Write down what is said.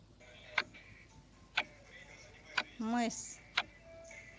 мыс